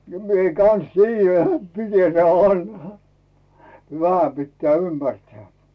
minä kanssa tiedän niin että miten tämä vanha vähän pitää ymmärtää